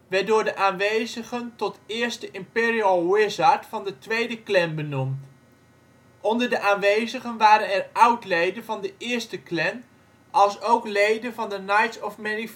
werd door de aanwezigen tot eerste Imperial Wizard van de tweede Klan benoemd. Onder de aanwezigen waren er oudleden van de eerste Klan alsook leden van de Knights of Mary